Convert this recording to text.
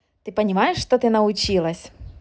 ты понимаешь что ты научилась